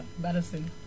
Bade Seye